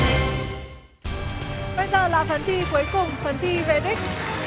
bây giờ là phần thi cuối cùng phần thi về đích